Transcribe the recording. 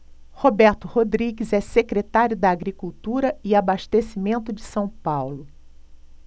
roberto rodrigues é secretário da agricultura e abastecimento de são paulo